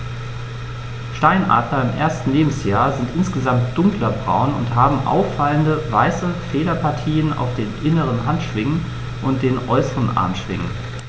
Steinadler im ersten Lebensjahr sind insgesamt dunkler braun und haben auffallende, weiße Federpartien auf den inneren Handschwingen und den äußeren Armschwingen.